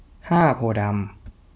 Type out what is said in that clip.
ห้าโพธิ์ดำ